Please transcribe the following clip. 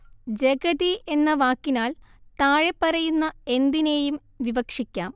ജഗതി എന്ന വാക്കിനാൽ താഴെപ്പറയുന്ന എന്തിനേയും വിവക്ഷിക്കാം